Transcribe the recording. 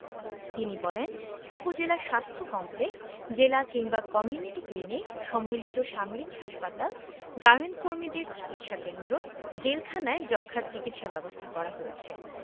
তিনি বলেন উপজেলা স্বাস্থ্য কমপ্লেক্স জেলা কিংবা কমিউনিটি ক্লিনিক সম্মিলিত সামরিক হাসপাতাল গার্মেন্টকর্মীদের চিকিৎসাকেন্দ্র জেলখানায় যক্ষ্মার চিকিৎসা ব্যবস্থা করা হয়েছে